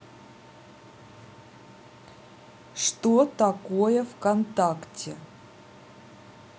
что такое вконтакте